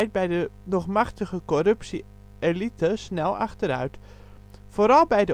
bij de nog machtige corrupte elite snel achteruit, vooral bij